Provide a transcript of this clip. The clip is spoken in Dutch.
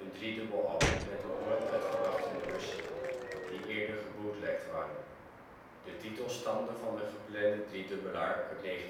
driedubbelalbum met nog nooit uitgebrachte nummers, die eerder gebootlegged waren. De titel stamde van een geplande driedubbelaar uit 1987